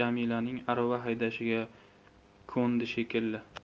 jamilaning arava haydashiga ko'ndi shekilli